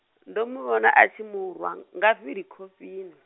ndo muvhona a tshi murwa, nga vili khofheni.